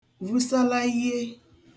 vusalayie